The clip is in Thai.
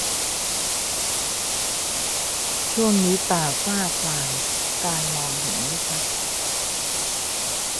ช่วงนี้ตาฝ้าฟางการมองเห็นไม่ชัด